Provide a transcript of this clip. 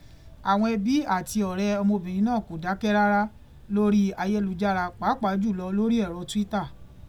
Àwọn ẹbí àti ọ̀rẹ́ ọmọbìnrin náà kò dákẹ́ rárá lórí ayélujára pàápàá jùlọ lórí ẹ̀rọ Twitter.